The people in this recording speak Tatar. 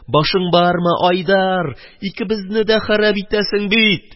– башың бармы, айдар? икебезне дә харап иттерәсең бит!